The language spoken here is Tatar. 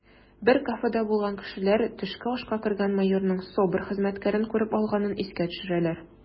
Бер кафеда булган кешеләр төшке ашка кергән майорның СОБР хезмәткәрен күреп алганын искә төшерәләр: